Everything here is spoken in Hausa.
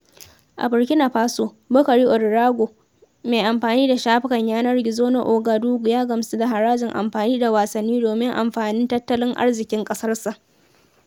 A Burkina Faso, Bboukari Ouédraogo, mai amfani da shafukan yanar gizona Ouagadougou ya gamsu da harajin amfani da wasanni domin amfanin tattalin arzikin ƙasarsa.